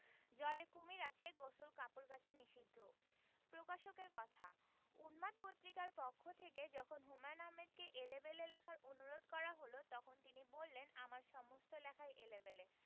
জলে কুমীর আছে গোসল কাপড় কাচা নিষিদ্ধ প্রকাশকের কথা উন্মাদ পত্রিকার পক্ষথেকে যখন হুমায়ন আহমেদকে 'এলেবেলে লেখার অনুরোধে করা হল তখন তিনি বললেন আমার সমস্ত লেখাই এলেবেলে